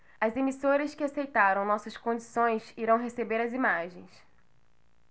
as emissoras que aceitaram nossas condições irão receber as imagens